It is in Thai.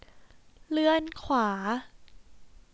เลื่อนขวา